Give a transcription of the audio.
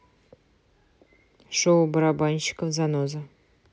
шоу барабанщиков заноза